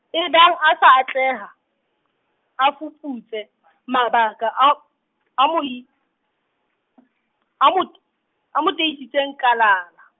ebang a sa atleha, a fuputse , mabaka a, a mo i- , a mo t-, a mo teisitseng kalala .